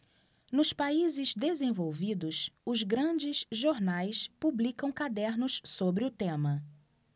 nos países desenvolvidos os grandes jornais publicam cadernos sobre o tema